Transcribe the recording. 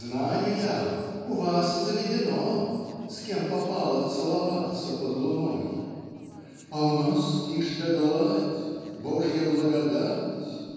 Знаю я - у вас заведено С кем попало целоваться под луной. А у нас тишь да гладь Божья благодать